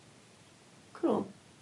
Cŵl.